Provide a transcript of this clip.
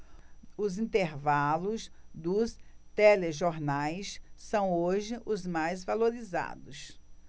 os intervalos dos telejornais são hoje os mais valorizados